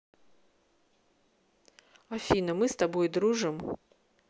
афина мы с тобой дружим